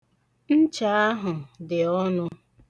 Ncha ahụ dị ọnụ.